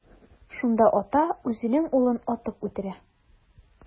Шунда ата үзенең улын атып үтерә.